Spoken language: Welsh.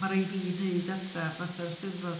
Ma' raid fi wneud adra fatha'r 'Steddfod.